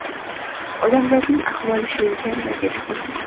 odamzodning ahvoli shu ekan da dedi xo'rsinib